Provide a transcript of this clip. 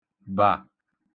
bà